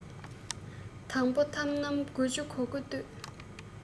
དང པོ ཐབས རྣམས དགུ བཅུ གོ དགུ གཏོད